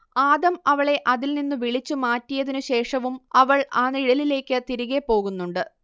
ആദം അവളെ അതിൽ നിന്നു വിളിച്ചു മാറ്റിയതിനു ശേഷവും അവൾ ആ നിഴലിലേയ്ക്ക് തിരികേ പോകുന്നുണ്ട്